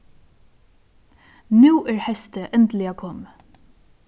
nú er heystið endiliga komið